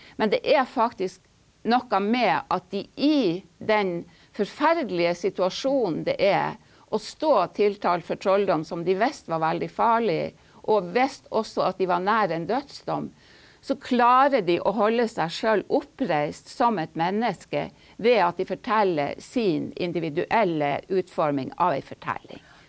men det er faktisk noe med at de i den forferdelige situasjonen det er å stå tiltalt for trolldom som de visste var veldig farlig og visste også at de var nær en dødsdom, så klarer de å holde seg sjøl oppreist som et menneske ved at de forteller sin individuelle utforming av ei fortelling.